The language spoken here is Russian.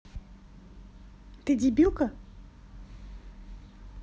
ты дебилка